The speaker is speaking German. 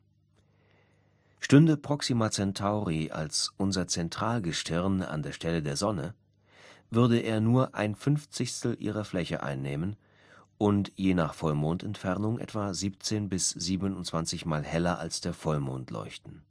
Stünde Proxima Centauri als unser Zentralgestirn an der Stelle der Sonne, würde er nur 1/50 ihrer Fläche einnehmen und je nach Vollmondentfernung etwa 17 bis 27-mal heller als der Vollmond leuchten